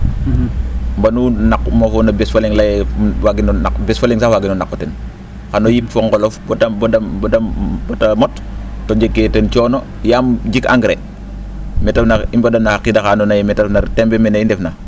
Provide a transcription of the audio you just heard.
mbonuu moofoona bes fa le? lay ee waagino naq bes fa le? sax waagino naq o ten xano yip fo ngolof bata bata mot to jeg kee teen coono yaam jik engrais mee ta ref na i mbada no xa qiid axa andoona ye mee ta refna ref teembe mene i ndef na